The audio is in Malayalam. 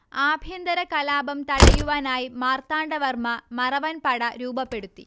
ആഭ്യന്തര കലാപം തടയുവാനായ് മാർത്താണ്ഡ വർമ മറവൻ പട രൂപപ്പെടുത്തി